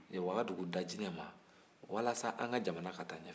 wagadugu dajinɛ ma walasa an ka jamana ka taa ɲɛ